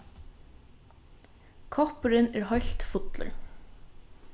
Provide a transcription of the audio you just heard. koppurin er heilt fullur